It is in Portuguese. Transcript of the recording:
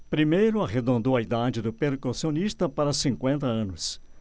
primeiro arredondou a idade do percussionista para cinquenta anos